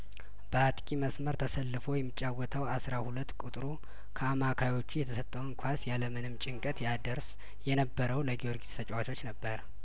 በአጥቂ መስመር ተሰልፎ የሚጫወተው አስራ ሁለት ቁጥሩ ከአማካዮቹ የተሰጠውን ኳስ ያለምንም ጭንቀት ያደርስ የነበረው ለጊዮርጊስ ተጫዋቾች ነበር